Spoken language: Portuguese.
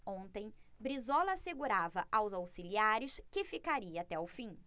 ontem brizola assegurava aos auxiliares que ficaria até o fim